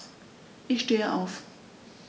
Ich stehe auf.